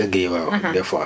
ëgg yeeg yooyu wala